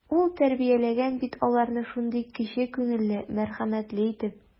Ул тәрбияләгән бит аларны шундый кече күңелле, мәрхәмәтле итеп.